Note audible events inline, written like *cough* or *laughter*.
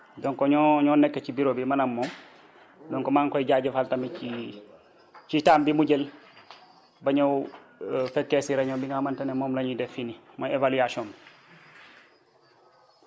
donc ñoo ñoo nekk ci bureau bi man ak moom donc maa ngi koy jaajëfal tamit ci ci temps bi mu jël ba ñëw *hesitation* fekkee si réunion bi nga xamante nemoom la ñuy def fii nii mooy évaluation bi